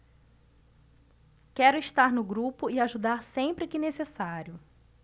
quero estar no grupo e ajudar sempre que necessário